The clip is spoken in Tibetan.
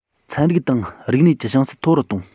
ཚན རིག དང རིག གནས ཀྱི བྱང ཚད མཐོ རུ གཏོང